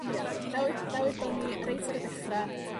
Ia, fel 'ed- fel edon ni reit ar y dechra